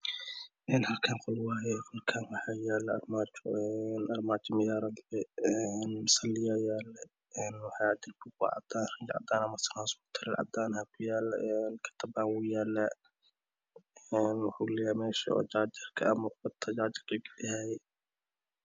Halkaan waa qol armajo talo murayad leh saliyaa yala dirbiga waa cadan takaban ayaa yala mesha jajarka